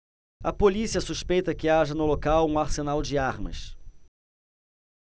a polícia suspeita que haja no local um arsenal de armas